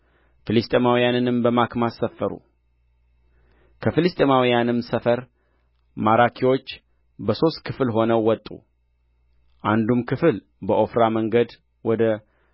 ፍልስጥኤማውያንም በማክማስ ሰፈሩ ከፍልስጥኤማውያንም ሰፈር ማራኪዎች በሦስት ክፍል ሆነው ወጡ አንዱም ክፍል በዖፍራ መንገድ ወደ